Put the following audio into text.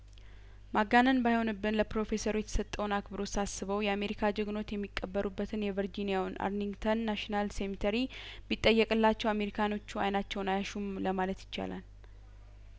ማጋነን ባይሆንብን ለፕሮፌሰሩ የተሰጠውን አክብሮት ሳስበው የአሜሪካ ጀግኖች የሚቀብሩበትን የቨርጂኒያው አር ሊንግተንናሽናል ሴሜ ተሪ ቢጠየቅላቸው አሜሪካኖቹ አይናቸውን አያሹም ለማለት ይቻላል